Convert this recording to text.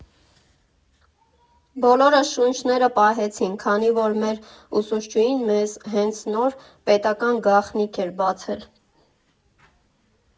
Բոլորս շունչներս պահեցինք, քանի որ մեր ուսուցչուհին մեզ հենց նոր պետական գաղտնիք էր բացել։